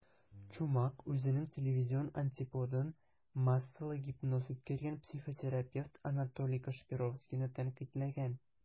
Чумак үзенең телевизион антиподын - массалы гипноз үткәргән психотерапевт Анатолий Кашпировскийны тәнкыйтьләгән.